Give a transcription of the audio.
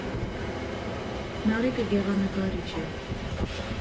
Նարեկը գեղանկարիչ է։